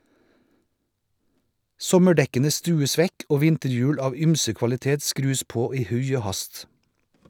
Sommerdekkene stues vekk og vinterhjul av ymse kvalitet skrus på i hui og hast.